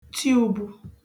ti ūbū